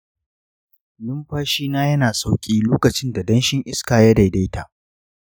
numfashina yana sauƙi lokacin da danshin iska ya daidaita.